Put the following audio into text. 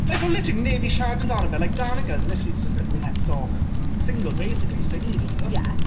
Like, literally, neb 'di siarad amdano fe, like Danica's literally just been left off single, basically single.... Ie.